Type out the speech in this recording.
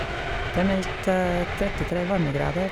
Det er meldt trettitre varmegrader.